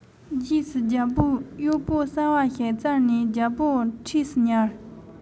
རྗེས སུ རྒྱལ པོས གཡོག པོ གསར པ ཞིག བཙལ ནས རྒྱལ པོའི འཁྲིས སུ ཉར